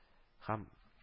Һәм